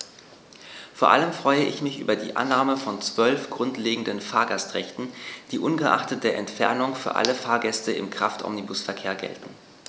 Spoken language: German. Vor allem freue ich mich über die Annahme von 12 grundlegenden Fahrgastrechten, die ungeachtet der Entfernung für alle Fahrgäste im Kraftomnibusverkehr gelten.